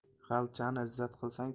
g'alchani izzat qilsang